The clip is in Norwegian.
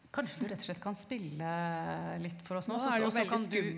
kanskje du rett og slett kan spille litt for oss nå og så kan du.